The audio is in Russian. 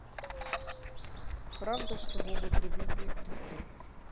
правда что бога прибили к кресту